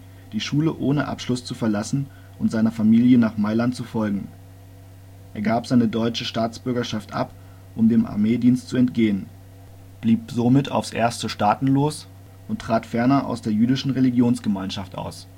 Schule ohne Abschluss zu verlassen und seiner Familie nach Mailand zu folgen. Er gab seine deutsche Staatsbürgerschaft ab, um dem Armeedienst zu entgehen, blieb somit aufs Erste staatenlos und trat ferner aus der jüdischen Religionsgemeinschaft aus